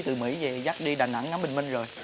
từ mỹ về dắt đi đà nẵng ngắm bình minh rồi